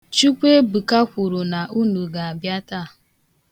Chukwuebuka kwuru na unu ga-abịa taa.